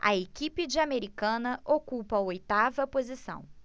a equipe de americana ocupa a oitava posição